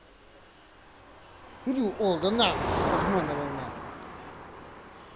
нью олден армстронг обманывал нас